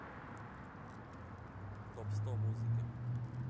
топ сто музыки